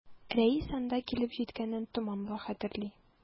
Рәис анда килеп җиткәнен томанлы хәтерли.